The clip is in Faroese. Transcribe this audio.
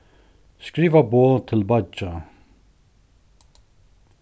skriva boð til beiggja